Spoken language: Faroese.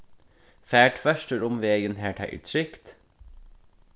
far tvørtur um vegin har tað er trygt